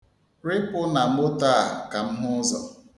Rịpụ na moto a ka m hụ ụzọ.